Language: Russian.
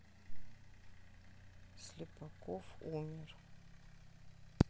слепаков умер